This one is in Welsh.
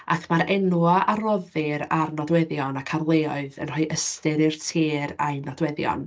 Ac ma'r enwau a roddir ar nodweddion ac ar leoedd yn rhoi ystyr i'r tir a'u nodweddion.